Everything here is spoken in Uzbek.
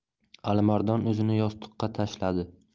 alimardon o'zini yostiqqa tashladi